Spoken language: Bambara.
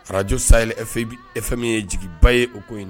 Araj sa e fɛn min ye jigiba ye o ko ye